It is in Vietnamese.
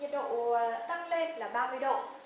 nhiệt độ tăng lên là ba mươi độ